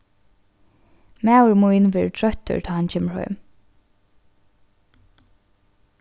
maður mín verður troyttur tá hann kemur heim